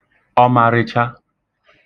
ọmarịcha